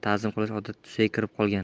tazim qilish odat tusiga kirib qolgan